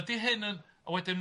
ydy hyn yn a wedyn